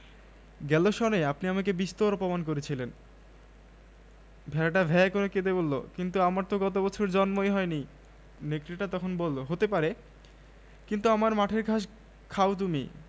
singer fridge freezer কিনে ক্রেতা তার নিজস্ব মোবাইল নম্বর থেকে ৬৯৬৯ নম্বরে ম্যাসেজ পাঠিয়ে দিয়ে ক্রয়কৃত ফ্রিজ ফ্রিজারটির পুরো মূল্য ফেরত পেতে পারেন এ ছাড়া